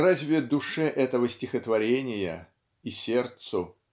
Разве душе этого стихотворения и сердцу